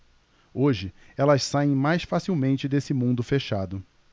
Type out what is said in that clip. hoje elas saem mais facilmente desse mundo fechado